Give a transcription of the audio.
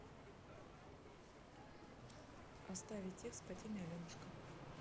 составить текст по теме аленушка